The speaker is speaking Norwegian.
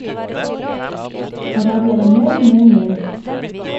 Og da ble det mjau, mjau, mjau.